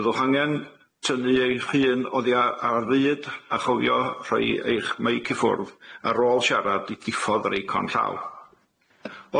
Byddwch angen tynnu eich hun oddi ar ar fyd a chofio rhoi eich meic i ffwrdd ar ôl siarad i diffodd yr eicon llaw.